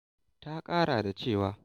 Ta ƙara da cewa: